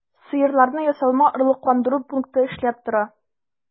Сыерларны ясалма орлыкландыру пункты эшләп тора.